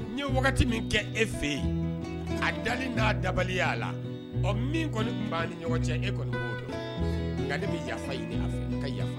N ye wagati min kɛ e fɛ yen a da n'a dabaliya a la ɔ min kɔni b' ni ɲɔgɔn cɛ e kɔni kan ne bɛ yafa ɲini a ka yafa